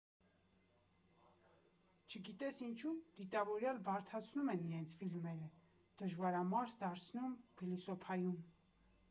Չգիտես ինչու, դիտավորյալ բարդացնում են իրենց ֆիլմերը, դժվարամարս դարձնում, փիլիսոփայում։